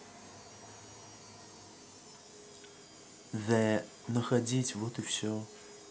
the находить вот и все